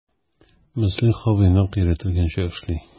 Мөслих абый нәкъ өйрәтелгәнчә эшли...